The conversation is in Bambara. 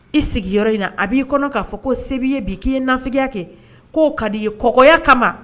I sigiyɔrɔ in na a b'i kɔnɔ k'a fɔ ko se b'i ye bi k'i ye nafigiya kɛ k'o ka di i ye kɔkɔ ya kama